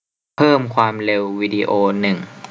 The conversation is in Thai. เพิ่มความเร็ววีดีโอหนึ่ง